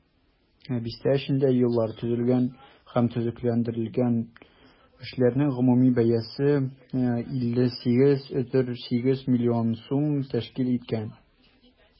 Бистә эчендә юллар төзелгән һәм төзекләндерелгән, эшләрнең гомуми бәясе 58,8 миллион сум тәшкил иткән.